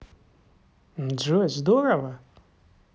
джой здорово